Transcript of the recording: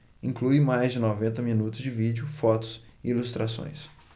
inclui mais de noventa minutos de vídeo fotos e ilustrações